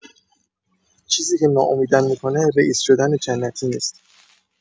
چیزی که ناامیدم می‌کنه رییس شدن جنتی نیست.